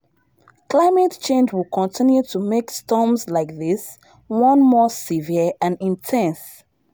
Climate change will continue to make storms like this one more severe and intense.